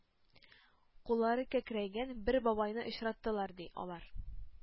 Куллары кәкрәйгән бер бабайны очраттылар, ди, алар.